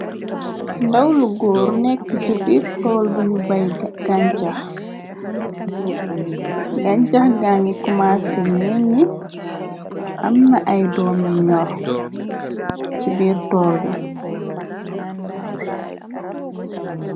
Ndaw lu góor nekk ci biir toll bi nu bay ganchax ganchax gangi kuma sé menyi am na ay doom yu ñyor ci biir toll bi.